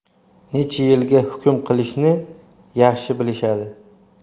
necha yilga hukm qilishni yaxshi bilishadi